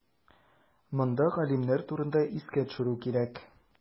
Монда галимнәр турында искә төшерү кирәк.